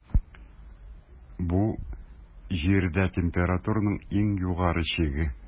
Бу - Җирдә температураның иң югары чиге.